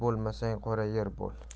bo'lmasang qora yer bo'l